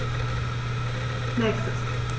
Nächstes.